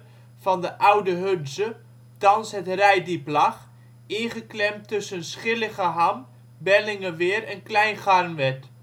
van de oude Hunze, thans het Reitdiep lag, ingeklemd tussen Schilligeham, Bellingeweer en Klein Garnwerd